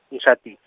ngishadi-.